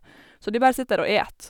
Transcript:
Så de bare sitter der og eter.